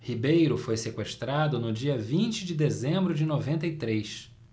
ribeiro foi sequestrado no dia vinte de dezembro de noventa e três